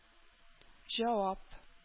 Җавап